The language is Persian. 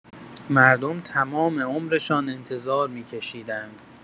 مردم تمام عمرشان انتظار می‌کشیدند.